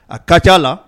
A ka ca a la